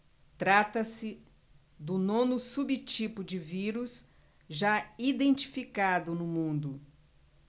trata-se do nono subtipo do vírus já identificado no mundo